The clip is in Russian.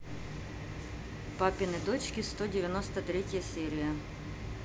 папины дочки сто девяносто третья серия